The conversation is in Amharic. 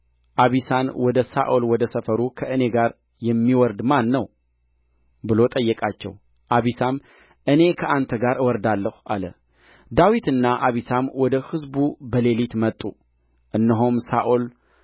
አቢሳን ወደ ሳኦል ወደ ሰፈሩ ከእኔ ጋር የሚወርድ ማን ነው ብሎ ጠየቃቸው አቢሳም እኔ ከአንተ ጋር እወርዳለሁ አለ ዳዊትና አቢሳም ወደ ሕዝቡ በሌሊት መጡ እነሆም ሳኦል